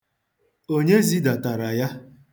Onye zidatara ya?